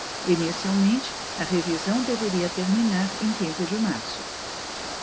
inicialmente a revisão deveria terminar em quinze de março